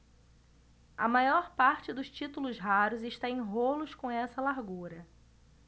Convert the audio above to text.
a maior parte dos títulos raros está em rolos com essa largura